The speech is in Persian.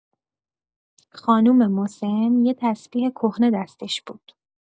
خانم مسن یه تسبیح کهنه دستش بود.